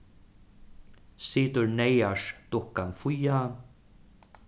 situr neyðars dukkan fía